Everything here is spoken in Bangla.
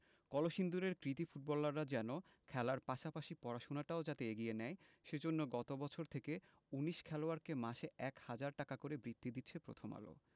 কলসিন্দুরের কৃতী ফুটবলাররা যেন খেলার পাশাপাশি পড়াশোনাটাও যাতে এগিয়ে নেয় সে জন্য গত বছর থেকে ১৯ খেলোয়াড়কে মাসে ১ হাজার টাকা করে বৃত্তি দিচ্ছে প্রথম আলো